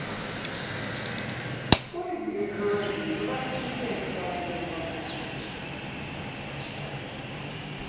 хули тебе говорить давай включай тварь ебаная